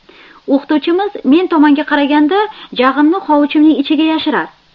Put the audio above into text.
o'qituvchimiz men tomonga qaraganda jag'imni hovuchimning ichiga yashirar